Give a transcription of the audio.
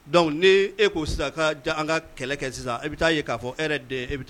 Dɔnku ni e koo sisan ka an ka kɛlɛ kɛ sisan e bɛ taa yen k'a fɔ e yɛrɛ de e bɛ